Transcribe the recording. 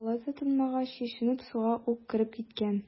Алай да тынмагач, чишенеп, суга ук кереп киткән.